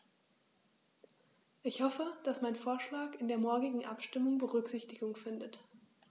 Ich hoffe, dass mein Vorschlag in der morgigen Abstimmung Berücksichtigung findet.